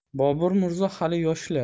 bobur mirzo hali yoshlar